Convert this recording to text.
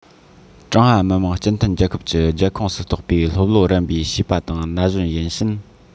ཀྲུང ཧྭ མི དམངས སྤྱི མཐུན རྒྱལ ཁབ ཀྱི རྒྱལ ཁོངས སུ གཏོགས པའི སློབ ལོ རན པའི བྱིས པ དང ན གཞོན ཡིན ཕྱིན